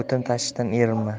o'tin tashishdan erinma